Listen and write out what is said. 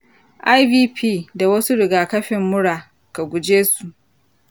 ivp da wasu rigakafin mura. ka guje su.